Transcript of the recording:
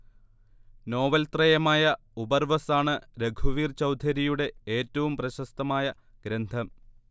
നോവൽത്രയമായ ഉപർവസാണ് രഘുവീർ ചൗധരിയുടെ ഏറ്റവും പ്രശസ്തമായ ഗ്രന്ഥം